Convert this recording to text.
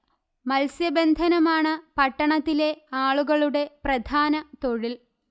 മത്സ്യബന്ധനമാണ് പട്ടണത്തിലെ ആളുകളുടെ പ്രധാന തൊഴിൽ